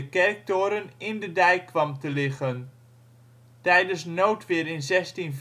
kerktoren in de dijk kwam te liggen. Tijdens noodweer in 1674